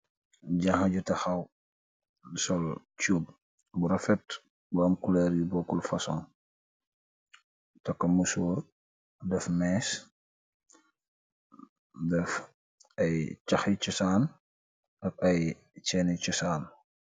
Jagha ju takhaw sôl Chubb bū rafett bū àm Coléur yu bokut fasońg takkéh musour déff méss déff ayy chàkhee chosàn Ak ayy chénni chosàn